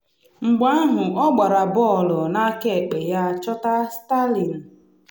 Mgbe ahụ ọ gbara bọọlụ n’akaekpe ya, chọta Sterling.